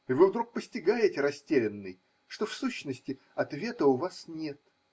– И вы вдруг постигаете, растерянный, что, в сущности, ответа у вас нет.